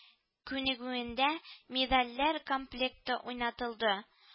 Күнегүендә медальләр комплекты уйнатылды